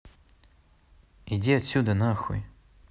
иди отсюда нахуй